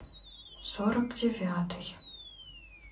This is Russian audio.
сорок девятый